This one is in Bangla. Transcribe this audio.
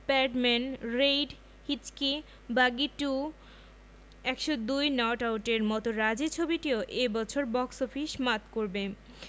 প্যাডম্যান রেইড হিচকি বাঘী টু ১০২ নট আউটের মতো রাজী ছবিটিও এ বছর বক্স অফিস মাত করবে